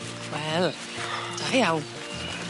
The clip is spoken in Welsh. Wel da iawn.